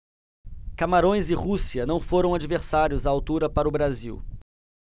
camarões e rússia não foram adversários à altura para o brasil